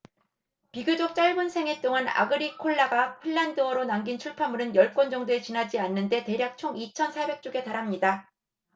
비교적 짧은 생애 동안 아그리콜라가 핀란드어로 남긴 출판물은 열 권 정도에 지나지 않는데 대략 총 이천 사백 쪽에 달합니다